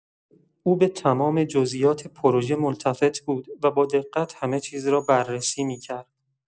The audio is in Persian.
او به تمام جزئیات پروژه ملتفت بود و با دقت همه چیز را بررسی می‌کرد.